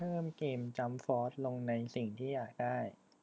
เพิ่มเกมจั้มฟอสลงในสิ่งที่อยากได้